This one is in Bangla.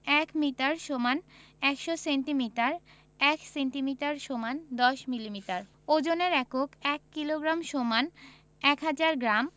১ মিটার = ১০০ সেন্টিমিটার ১ সেন্টিমিটার = ১০ মিলিমিটার ওজনের এককঃ ১ কিলোগ্রাম = ১০০০ গ্রাম